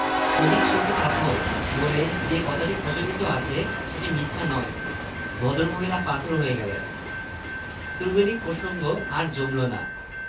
আমি এত সুন্দর পটি জন্মেও দেখিনি ছেলেটি কোন কথা বলল না গম্ভীর হয়ে রইল নশিতাটাসতা দেয়া হয়েছে এমন সময় ছেলেটি এসে ঘোষণা করল পটিটি সে সম্মানিত অতিথিকে দিয়ে দিয়েছে